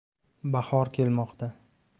bahor kelmoqda